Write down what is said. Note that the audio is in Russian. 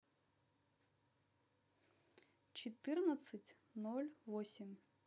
четырнадцать ноль восемь